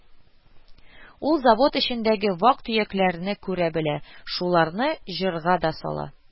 Ул завод эчендәге вак-төякләрне күрә белә, шуларны җырга да сала